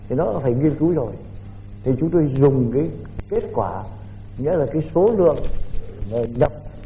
thì nó đã phải nghiên cứu rồi thì chúng tôi dùng cái kết quả nghĩa là cái số lượng nhập